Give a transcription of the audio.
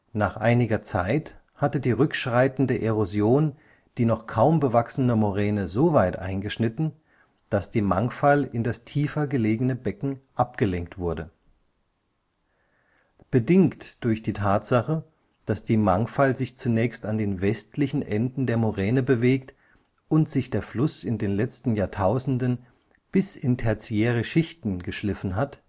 Nach einiger Zeit hatte die rückschreitende Erosion die noch kaum bewachsene Moräne soweit eingeschnitten, dass die Mangfall in das tiefer gelegene Becken abgelenkt wurde. Bedingt durch die Tatsache, dass die Mangfall sich zunächst an den westlichen Enden der Moräne bewegt, und sich der Fluss in den letzten Jahrtausenden bis in tertiäre Schichten geschliffen hat